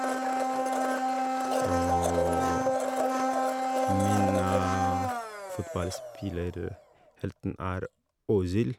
Og min fotballspillerhelten er Özil.